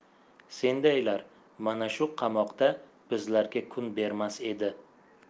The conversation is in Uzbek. sendaylar mana shu qamoqda bizlarga kun bermas edi